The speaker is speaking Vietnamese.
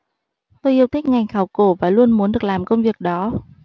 tôi yêu thích ngành khảo cổ và luôn muốn được làm công việc đó